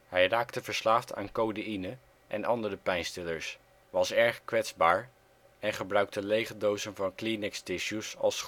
Hij raakte verslaafd aan codeïne en andere pijnstillers, was erg kwetsbaar, en gebruikte lege dozen van Kleenex tissues als schoenen